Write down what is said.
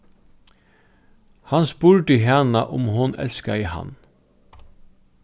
hann spurdi hana um hon elskaði hann